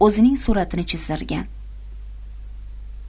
o'zining suratini chizdirgan